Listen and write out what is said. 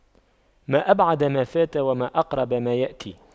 ما أبعد ما فات وما أقرب ما يأتي